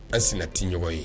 An sina tɛ ɲɔgɔn ye